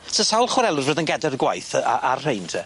So sawl chwarelwr fydd yn gader y gwaith yy a- ar rhein te?